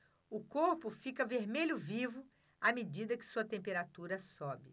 o corpo fica vermelho vivo à medida que sua temperatura sobe